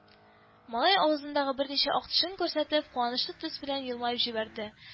Малай, авызындагы берничә ак тешен күрсәтеп, куанычлы төс белән елмаеп җибәрде